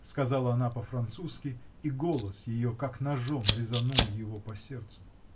-- сказала она по-французски, и голос ее как ножом резанул его по сердцу.